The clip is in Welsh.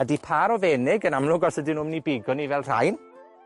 ydi pâr o fenig, yn amlwg, os ydyn nw'n myn' ni bigo ni fel rhain.